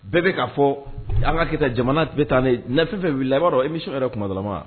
Bɛɛ bɛ ka fɔ an ka kɛ tan, jamana bɛ tan de. Ni fɛn wilila, i b'a dɔn emission yɛrɛ tuma. dɔ lama